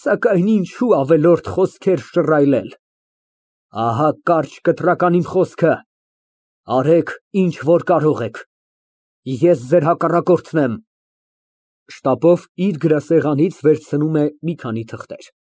Սակայն ինչու ավելորդ խոսքեր շռայլել, ահա կարճ կտրական իմ խոսքը, արեք, ինչ որ կարող եք, ես ձեր հակառակորդն եմ։ (Շտապով իր գրասեղանից վերցնում է մի քանի թղթեր)։